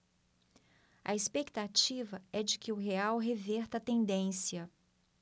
a expectativa é de que o real reverta a tendência